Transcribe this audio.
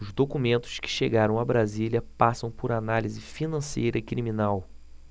os documentos que chegaram a brasília passam por análise financeira e criminal